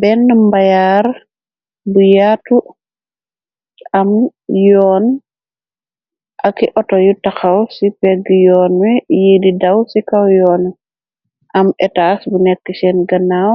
Benn mbayaar bu yaatu am yoon ak auto yu taxaw ci pegge yoon wi yi di daw ci kaw yoonu am etas bu nekk seen ganaaw